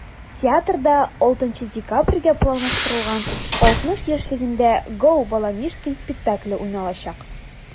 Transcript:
Театрда 6 декабрьгә планлаштырылган 60 яшьлегендә дә “Gо!Баламишкин" спектакле уйналачак.